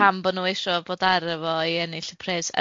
a pam bo nw isho bod ar y fo i ennill y pres.